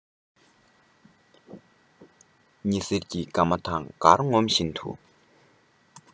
ཉི ཟེར གྱི དགའ མ དང དགར ངོམ བཞིན དུ